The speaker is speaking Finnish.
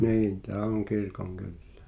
niin tämä on kirkonkylää